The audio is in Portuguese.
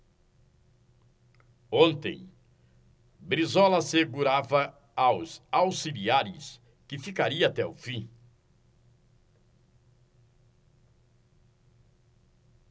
ontem brizola assegurava aos auxiliares que ficaria até o fim